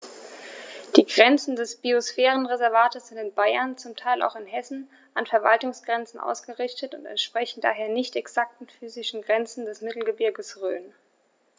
Die Grenzen des Biosphärenreservates sind in Bayern, zum Teil auch in Hessen, an Verwaltungsgrenzen ausgerichtet und entsprechen daher nicht exakten physischen Grenzen des Mittelgebirges Rhön.